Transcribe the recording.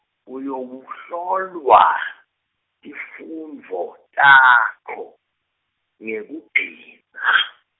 uyowuhlolwa, tifundvo, takhe, ngekugcina.